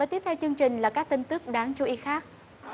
và tiếp theo chương trình là các tin tức đáng chú ý khác